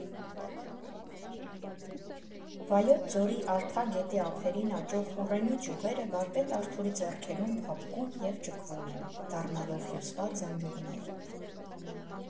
Վայոց ձորի Արփա գետի ափերին աճող ուռենու ճյուղերը վարպետ Արթուրի ձեռքերում փափկում և ճկվում են՝ դառնալով հյուսված զամբյուղներ։